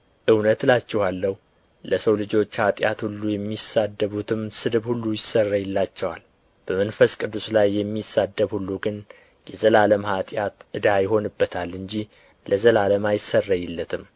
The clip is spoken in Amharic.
እውነት እላችኋለሁ ለሰው ልጆች ኃጢአት ሁሉ የሚሳደቡትም ስድብ ሁሉ ይሰረይላቸዋል በመንፈስ ቅዱስ ላይ የሚሳደብ ሁሉ ግን የዘላለም ኃጢአት ዕዳ ይሆንበታል እንጂ ለዘላለም አይሰረይለትም